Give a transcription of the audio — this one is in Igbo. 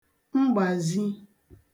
mgbàzi